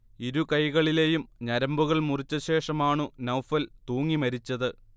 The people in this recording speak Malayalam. ഇരു കൈകളിലെയും ഞരമ്പുകൾ മുറിച്ചശേഷമാണു നൗഫൽ തൂങ്ങിമരിച്ചത്